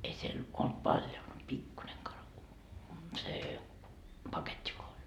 ei siellä ollut paljon mutta pikkuinen - se paketti vain oli